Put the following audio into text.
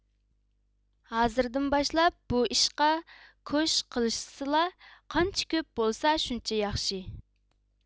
ھازىردىن باشلاپ بۇ ئىشقا كوش قىلىشسىلا قانچە كۆپ بولسا شۇنچە ياخشى